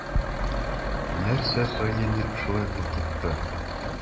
Нәрсә саине шулай куркытты?